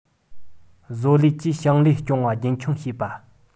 བཟོ ལས ཀྱིས ཞིང ལས སྐྱོང བ རྒྱུན འཁྱོངས བྱེད པ